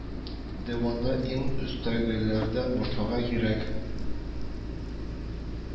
Дәваны иң өстәгеләрдән башларга кирәк